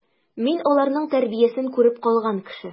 Мин аларның тәрбиясен күреп калган кеше.